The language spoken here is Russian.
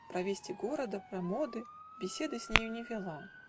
Про вести города, про моды Беседы с нею не вела.